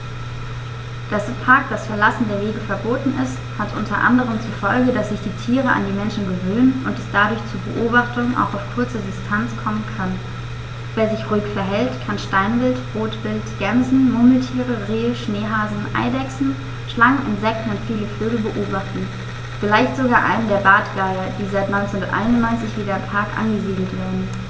Dass im Park das Verlassen der Wege verboten ist, hat unter anderem zur Folge, dass sich die Tiere an die Menschen gewöhnen und es dadurch zu Beobachtungen auch auf kurze Distanz kommen kann. Wer sich ruhig verhält, kann Steinwild, Rotwild, Gämsen, Murmeltiere, Rehe, Schneehasen, Eidechsen, Schlangen, Insekten und viele Vögel beobachten, vielleicht sogar einen der Bartgeier, die seit 1991 wieder im Park angesiedelt werden.